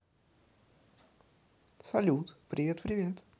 салют привет привет